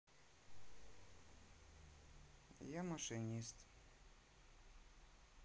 я машинист